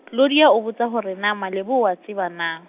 Claudia a botsa hore na Malebo o a tseba na.